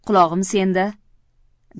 qulog'im senda